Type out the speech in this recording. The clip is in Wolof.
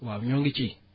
waaw ñoo ngi ci